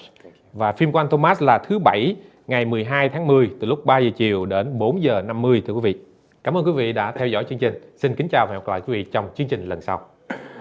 và phim của anh thô mát là thứ bảy ngày mười hai tháng mười từ lúc ba giờ chiều đến bốn giờ năm mươi thưa quý vị cảm ơn quý vị đã theo dõi chương trình xin kính chào và hẹn gặp lại quý vị trong chương trình lần sau